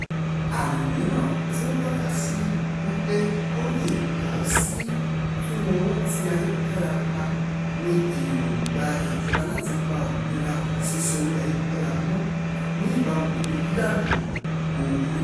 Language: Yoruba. Àmì mìíràn tí ó ń tọ́ka sí wípé ó lè bọ́ sí kí wọn ó ti ayélujára pa ni èròńgbà ìjọba láti pa òmìnira ọ̀rọ̀ sísọ orí ayélujára mọ́n ní ìbámu pẹ̀lú dídáàbobo orílẹ̀-èdè.